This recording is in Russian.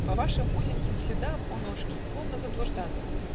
По вашим узеньким следам, О ножки, полно заблуждаться!